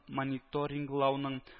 Мониторинглауның